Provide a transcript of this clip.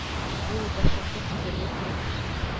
Бу дәһшәткә түзәргә кирәк ничек